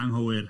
Anghywir.